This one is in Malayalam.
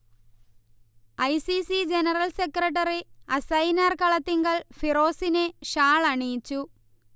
I. C. C. General secretary Asainar Kalathingal ഫിറോസിനെ ഷാൾ അണിയിച്ചു